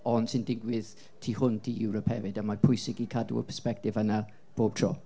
ond sy'n digwydd tu hwnt i Ewrop hefyd. A mae'n pwysig i gadw y persbectif yna bob tro.